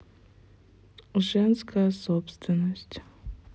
женская собственность